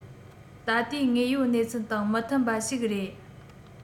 ད ལྟའི དངོས ཡོད གནས ཚུལ དང མི མཐུན པ ཞིག རེད